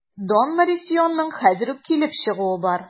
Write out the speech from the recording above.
Дон Морисионың хәзер үк килеп чыгуы бар.